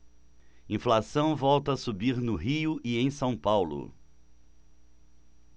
inflação volta a subir no rio e em são paulo